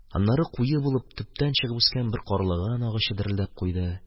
Аннары куе булып, төптән чыгып үскән бер карлыган агачы дерелдәп куйды.